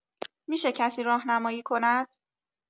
می‌شه کسی راهنمایی کند؟